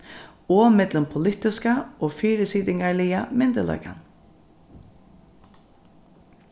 og millum politiska og fyrisitingarliga myndugleikan